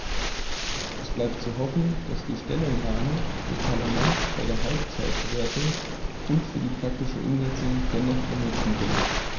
Es bleibt zu hoffen, dass die Stellungnahmen des Parlaments bei der Halbzeitbewertung und für die praktische Umsetzung dennoch von Nutzen sind.